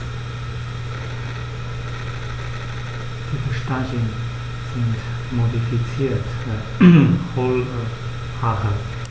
Diese Stacheln sind modifizierte, hohle Haare.